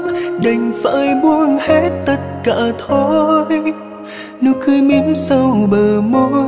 đành phải buông hết tất cả thôi nụ cười mỉm sau bờ môi